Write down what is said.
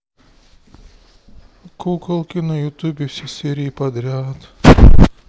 куколки на ютубе все серии подряд